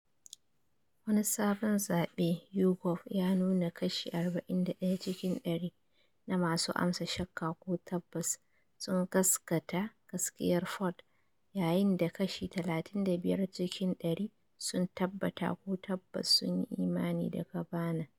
Wani sabon zabe YouGov ya nuna kashi 41 cikin dari na masu amsa shakka ko tabbas sun gaskanta gaskiyar Ford, yayin da kashi 35 cikin dari sun tabbata ko tabbas sunyi imani da Kavanaugh.